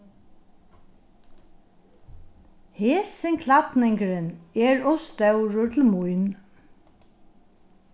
hesin klædningurin er ov stórur til mín